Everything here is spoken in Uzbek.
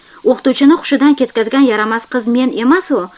o'qituvchini hushidan ketkazgan yaramas qiz men emas u